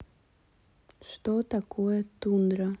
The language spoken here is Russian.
что такое тундра